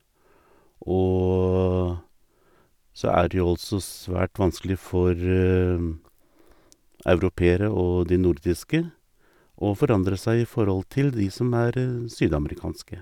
Og så er det jo altså svært vanskelig for europeere og de nordiske å forandre seg i forhold til de som er sydamerikanske.